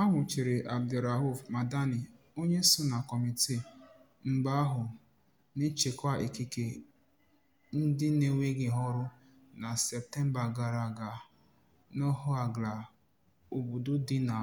A nwụchiri Abderaouf Madani, onye so na kọmitii mba ahụ na-echekwa ikike ndị na-enweghị ọrụ, na Septemba gara aga n'Ouargla, obodo dị na